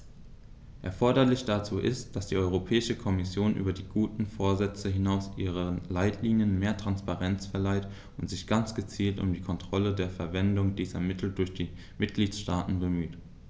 Erforderlich dazu ist, dass die Europäische Kommission über die guten Vorsätze hinaus ihren Leitlinien mehr Transparenz verleiht und sich ganz gezielt um die Kontrolle der Verwendung dieser Mittel durch die Mitgliedstaaten bemüht.